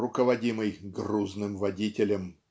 руководимый "грузным водителем